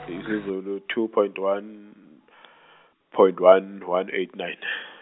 isiZulu two point one, point one, one eight nine .